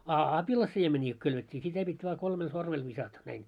a apilansiemeniä kun kylvettiin sitä piti vain kolmella sormella viskata näin